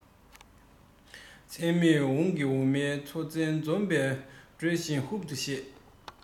ཚད མེད གཞུང ཀྱི འོ མའི མཚོ ཆེན བརྩོན པའི འགྲོས ཀྱིས ཧུབ ཏུ བཞེས